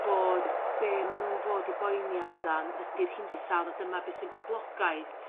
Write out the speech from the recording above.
bod be' ma' nw'n fod i boeni amdan ydy'r hinsawdd a dyma be' sy'n boblogaidd.